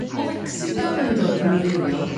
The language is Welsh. O Fecsico ma' nw'n dod yn wreiddiol